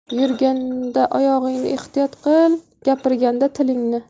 yurganda oyog'ingni ehtiyot qil gapirganda tilingni